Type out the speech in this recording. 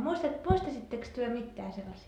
Muistattekos te mitään sellaisia